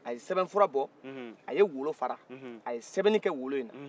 a ye sɛbɛn fura bɔ a ye wolo fara a ye sɛbɛnin kɛ wolo nin na